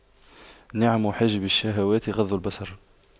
نعم حاجب الشهوات غض البصر